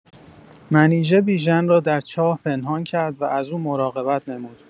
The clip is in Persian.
منیژه بیژن را در چاه پنهان کرد و از او مراقبت نمود.